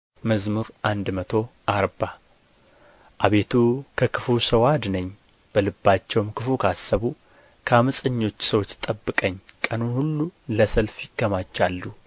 መዝሙር መቶ አርባ አቤቱ ከክፉ ሰው አድነኝ በልባቸውም ክፉ ካሰቡ ከዓመፀኞች ሰዎች ጠብቀኝ ቀኑን ሁሉ ለሰልፍ ይከማቻሉ